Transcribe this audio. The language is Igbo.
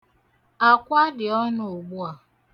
Akwa dị ọnụ ugbu a.